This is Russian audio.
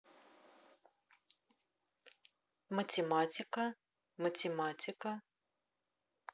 математика математика